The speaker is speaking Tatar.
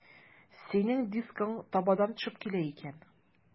Синең дискың табадан төшеп килә икән.